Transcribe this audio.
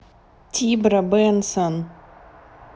тибра бенсон